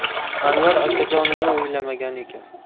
anvar akajonini o'ylamagan ekan